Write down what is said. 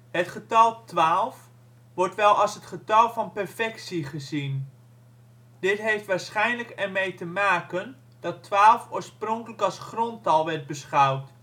Het getal twaalf wordt wel als het getal van perfectie gezien. Dit heeft waarschijnlijk ermee te maken dat 12 oorspronkelijk als grondtal werd beschouwd